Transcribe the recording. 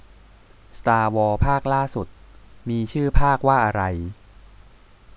สตาร์วอร์ภาคล่าสุดมีชื่อภาคว่าอะไร